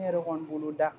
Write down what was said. Ne yɛrɛ kɔni bolo dakan